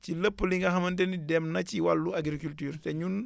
ci lépp li nga xamante ni dem na ci wàllu agriculture te ñun